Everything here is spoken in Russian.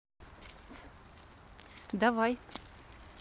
давай